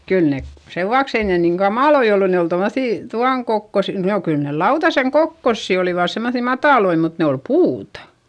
kyllä ne sen vuoksi ei niin kamalia ollut ne oli tuommoisia tuon - no kyllä ne lautasen kokoisia olivat semmoisia matalia mutta ne oli puuta